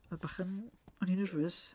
Wel bach yn... O'n i'n nervous.